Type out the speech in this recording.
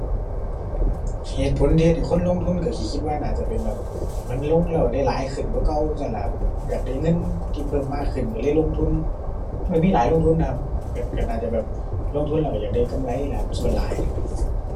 เหตุผลที่เฮ็ดให้คนลงทุนก็สิคิดว่าน่าจะเป็นแบบ เหมือนลงแล้วได้หลายขึ้นกว่าเก่าจั่งซั้นล่ะครับ อยากได้เงินที่เพิ่มมากขึ้นก็เลยลงทุน มันก็มีหลายลงทุนเนาะครับ ก็ก็น่าจะแบบลงทุนแล้วก็อยากได้กำไรล่ะครับ ส่วนหลายนะครับ